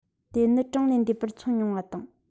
དེ ནི གྲངས ལས འདས པར འཚོ མྱོང བ དང